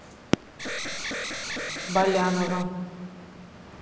балянова